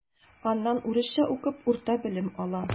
Аннан урысча укып урта белем ала.